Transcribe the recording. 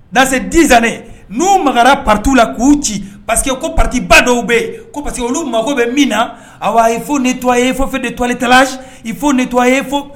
Dans ces 10 années n'u magara parti u la k'u ci parce que ko parti ba dɔw be ye ko parce que olu mago bɛ min na awa il faut néttoyer il faut faire de toiletta Lage il faut nettoyer il faut _